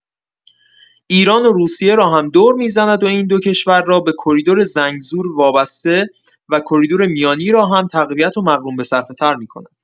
ایران و روسیه را هم دور می‌زند و این دو کشور را به کریدور زنگزور وابسته و کریدور میانی را هم تقویت و مقرون‌به‌صرفه‌تر می‌کند.